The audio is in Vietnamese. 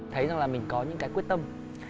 thấy rằng là mình có những cái quyết tâm